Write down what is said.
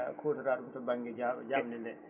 kutoraɗum to banggue ja jamde nde